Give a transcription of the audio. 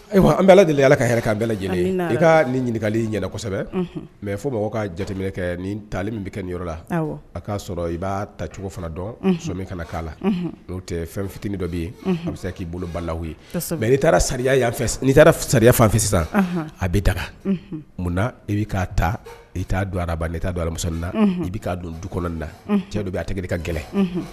Ayiwa an bɛ deli ala bɛɛ lajɛlen i ɲininkakali kosɛbɛ mɛ fo ka jateminɛ kɛ ni tali min bɛ kɛ yɔrɔ la a'a sɔrɔ i b'a tacogo fana dɔn somɛ' la n'o tɛ fɛn fitinin dɔ bɛ yen bɛ se k'i bolo balaw ye mɛ'i taara sariya yanfɛ'i taara sariya fan sisan a bɛ daga munna i bɛ ka ta i t' don a don alamu na i bɛ ka don du kɔnɔ na cɛ dɔ a tɛ ka gɛlɛn